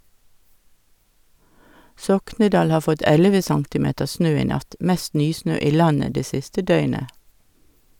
Soknedal har fått elleve centimeter snø i natt, mest nysnø i landet det siste døgnet.